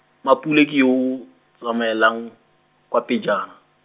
Mmapule ke yo o, tsamaelang, kwa pejana.